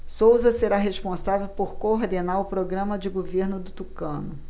souza será responsável por coordenar o programa de governo do tucano